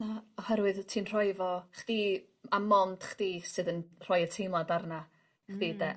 Na oherwydd ti'n rhoi fo chdi a mond chdi sydd yn rhoi y teimlad arna chdi 'de..